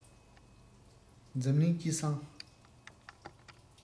འཛམ གླིང སྤྱི བསང